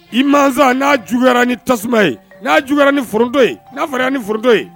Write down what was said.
I mansa n'a juguyara ni tasuma ye n'a juguyara ni foronto ye n'a fɔriyara ni foronto ye